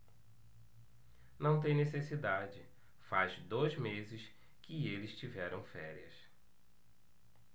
não tem necessidade faz dois meses que eles tiveram férias